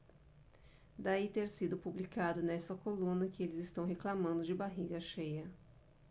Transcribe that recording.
daí ter sido publicado nesta coluna que eles reclamando de barriga cheia